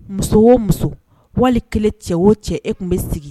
Muso o muso wali kelen cɛ o cɛ e tun bɛ sigi